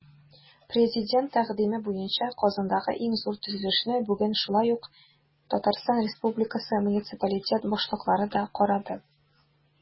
Президент тәкъдиме буенча Казандагы иң зур төзелешне бүген шулай ук ТР муниципалитет башлыклары да карады.